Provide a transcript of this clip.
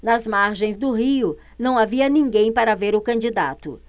nas margens do rio não havia ninguém para ver o candidato